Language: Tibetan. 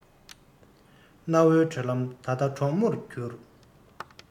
གནའ བོའི བགྲོད ལམ ད ལྟ གྲོག མོར གྱུར